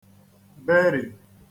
-berì